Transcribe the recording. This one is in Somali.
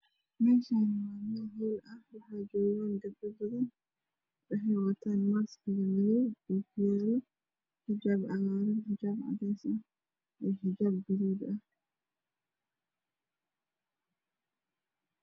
Meshani waa mel hool ah waxajogo gabdho badan waxey watan maskiga madow io ookiyalo xijab cagar xijab cades ah xijab gaduud ah